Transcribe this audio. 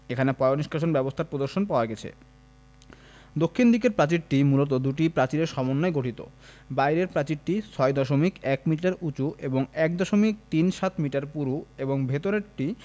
এখানে পয়োনিষ্কাশন ব্যবস্থার নিদর্শন পাওয়া গেছে দক্ষিণ দিকের প্রাচীরটি মূলত দুটি প্রাচীরের সমন্বয়ে গঠিত বাইরের প্রাচীরটি ৬দশমিক ১ মিটার উঁচু এবং ১দশমিক তিন সাত মিটার পুরু ও ভেতরেরটি